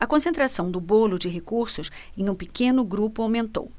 a concentração do bolo de recursos em um pequeno grupo aumentou